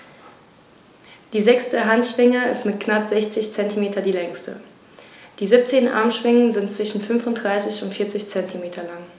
Die sechste Handschwinge ist mit knapp 60 cm die längste. Die 17 Armschwingen sind zwischen 35 und 40 cm lang.